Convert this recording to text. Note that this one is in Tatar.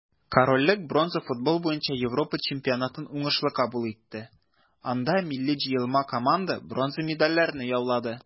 Корольлек бронза футбол буенча Европа чемпионатын уңышлы кабул итте, анда милли җыелма команда бронза медальләрне яулады.